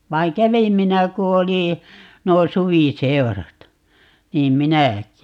vaan kävin minä kun oli nuo suviseurat niin minäkin